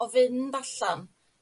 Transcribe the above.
o fynd allan